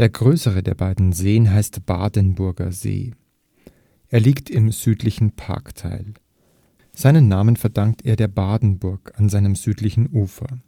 größere der beiden Seen heißt Badenburger See. Er liegt im südlichen Parkteil. Seinen Namen verdankt er der Badenburg an seinem südlichen Ufer